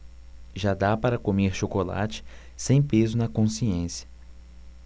já dá para comer chocolate sem peso na consciência